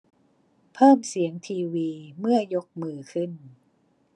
เพิ่มเสียงทีวีเมื่อยกมือขึ้น